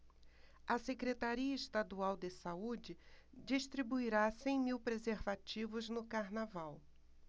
a secretaria estadual de saúde distribuirá cem mil preservativos no carnaval